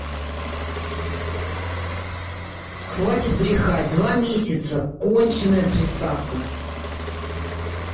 хватит брехать два месяца конченная приставка